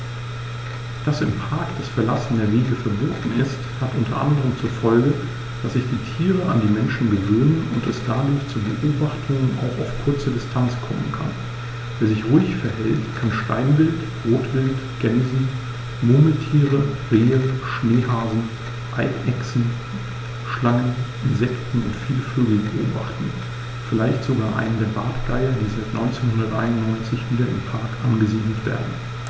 Dass im Park das Verlassen der Wege verboten ist, hat unter anderem zur Folge, dass sich die Tiere an die Menschen gewöhnen und es dadurch zu Beobachtungen auch auf kurze Distanz kommen kann. Wer sich ruhig verhält, kann Steinwild, Rotwild, Gämsen, Murmeltiere, Rehe, Schneehasen, Eidechsen, Schlangen, Insekten und viele Vögel beobachten, vielleicht sogar einen der Bartgeier, die seit 1991 wieder im Park angesiedelt werden.